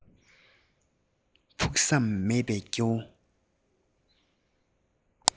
ཕུགས བསམ མེད པའི སྐྱེ བོ